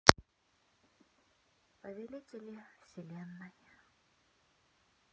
повелители вселенной